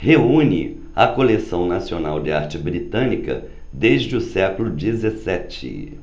reúne a coleção nacional de arte britânica desde o século dezessete